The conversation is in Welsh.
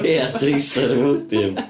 Ia, teisen Immodium!